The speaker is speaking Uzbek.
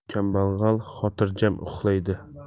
kambag'al xotirjam uxlaydi